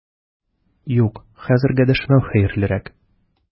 Юк, хәзергә дәшмәү хәерлерәк!